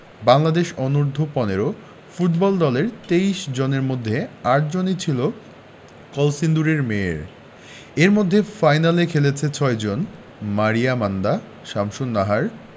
বাংলাদেশ অনূর্ধ্ব ১৫ ফুটবল দলের ২৩ জনের মধ্যে ৮ জনই ছিল কলসিন্দুরের মেয়ে এর মধ্যে ফাইনালে খেলেছে ৬ জন মারিয়া মান্দা শামসুন্নাহার